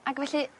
Ag felly